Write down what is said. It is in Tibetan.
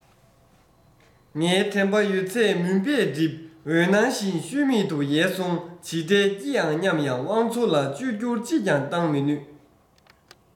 ངའི དྲན པ ཡོད ཚད མུན པས བསྒྲིབས འོད སྣང བཞིན ཤུལ མེད དུ ཡལ སོང ཇི འདྲའི སྐྱིད ཨང སྙམ ཡང དབང ཚོར ལ བཅོས བསྒྱུར ཅི ཡང གཏོང མི ནུས